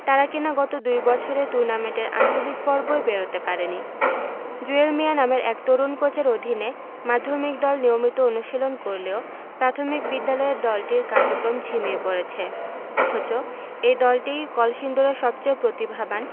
তারা কিনা গত দুই বছরে টুর্নামেন্টের আঞ্চলিক পর্বই পেরোতে পারেনি জুয়েল মিয়া নামের এক তরুণ কোচের অধীনে মাধ্যমিক দল নিয়মিত অনুশীলন করলেও প্রাথমিক বিদ্যালয়ের দলটির কার্যক্রম ঝিমিয়ে পড়েছে অথচ এই দলটিই কলসিন্দুরের সবচেয়ে প্রতিভাবান